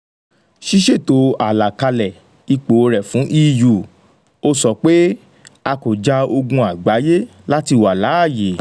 Ṣíṣètò àlàkalẹ̀ ipò rẹ̀ fún EU, o sọ pé: 'A kò ja ogun àgbáyé láti wà láàyè.